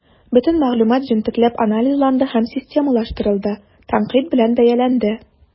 Бөтен мәгълүмат җентекләп анализланды һәм системалаштырылды, тәнкыйть белән бәяләнде.